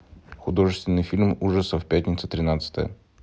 художественный фильм ужасов пятница тринадцатое